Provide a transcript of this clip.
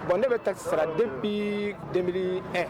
Bon ne bɛ taxes sara depuis 2001